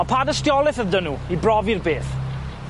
On' pa dystioleth o'd 'dyn nw i brofi'r beth?